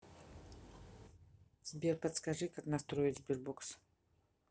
сбер подскажи как настроить sberbox